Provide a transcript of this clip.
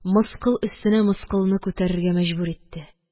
Мыскыл өстенә мыскылны күтәрергә мәҗбүр итте.